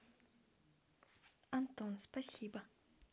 антон спасибо